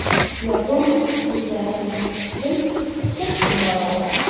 Япон күзләрен челт-челт йомгалады.